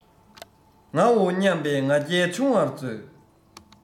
ངའོ སྙམ པའི ང རྒྱལ ཆུང བར མཛོད